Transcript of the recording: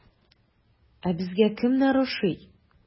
Ә безгә кемнәр ошый?